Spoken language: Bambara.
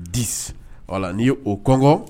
10_i wala n'i ye o kɔnkɔn